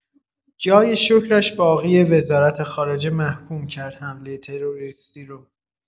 جای شکرش باقیه وزارت‌خارجه محکوم کرد حمله تروریستی رو.